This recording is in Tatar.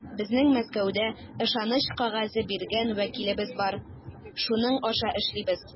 Безнең Мәскәүдә ышаныч кәгазе биргән вәкилебез бар, шуның аша эшлибез.